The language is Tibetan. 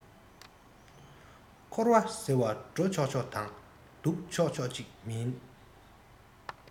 འཁོར བ ཟེར བ འགྲོ ཆོག ཆོག དང འདུག ཆོག ཆོག ཅིག མིན